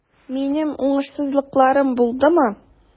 Минем уңышсызлыкларым булдымы?